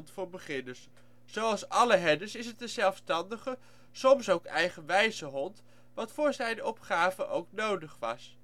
voor beginners. Zoals alle herders is het een zelfstandige, soms ook eigenwijze hond, wat voor zijn opgave ook nodig was